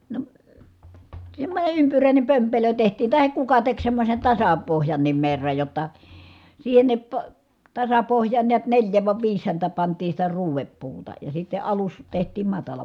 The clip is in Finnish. no semmoinen ympyräinen pömpelö tehtiin tai kuka teki semmoisen - tasapohjankin merran jotta siihenkin - tasapohjaan näet neljä vai viisi häntä pantiin sitä ruodepuuta ja sitten alus tehtiin matala